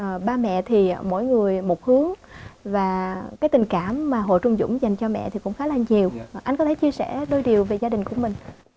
ba mẹ thì mỗi người một hướng và cái tình cảm mà hồ trung dũng dành cho mẹ thì cũng khá là nhiều anh có thể chia sẻ đôi điều về gia đình của mình